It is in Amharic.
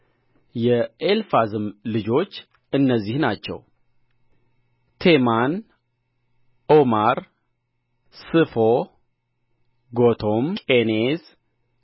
የኤልፋዝም ልጆች እነዚህ ናቸው ቴማን ኦማር ስፎ ጎቶም ቄኔዝ